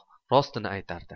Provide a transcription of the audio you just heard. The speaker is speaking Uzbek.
rostini aytardi